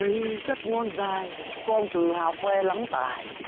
tuy rất ngon giai có ông tự hào khoe lắm tài